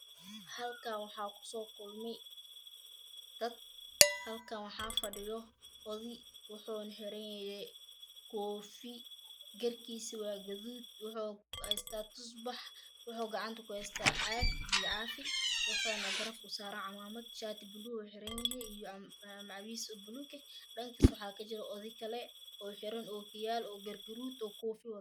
Hakan waxa kasokulmay halkanwaxafadhiyo oday waxuna xiranyahaykofiy gerkiisa wagaduud waxuhesta tusbax waxu vgacant kuhesta caagbiyocafi waxuna garabka usaranyahay camamad shatibalu xiranyahay macwisbalug dhankaskalanwaxakajira oday kale oxiran okiyal oger gadud okofiyad wato